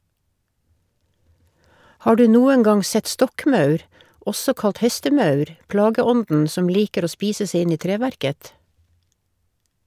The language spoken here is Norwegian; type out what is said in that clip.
Har du noen gang sett stokkmaur, også kalt hestemaur, plageånden som liker å spise seg inn i treverket?